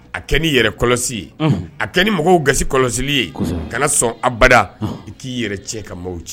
A kɛ ni yɛrɛ kɔlɔsi ye, unhun, a kɛ ni mɔgɔw gasi kɔlɔsi ye, kosɛbɛ, kana sɔn abada k'i yɛrɛ tiɲɛ ka maaw tiɲɛ